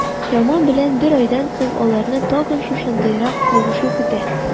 Чама белән бер айдан соң, аларны тагын шушындыйрак кавышу көтә.